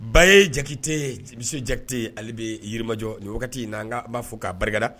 Ba ye jakite jakite ale bɛ yirimajɔ nin wagati n an b'a fɔ k'a barikada